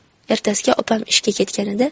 ertasiga opam ishga ketganida